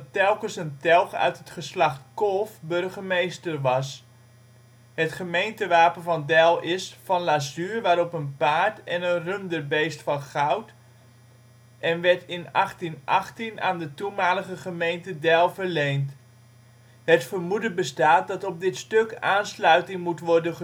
telkens een telg uit het geslacht Kolff burgemeester was. Het gemeentewapen van Deil is " van lazuur waarop een paard en een runderbeest van goud " en werd in 1818 aan de toenmalige gemeente Deil verleend. Het vermoeden bestaat, dat op dit stuk aansluiting moet worden